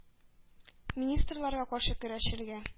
Министрларга каршы көрәшергә,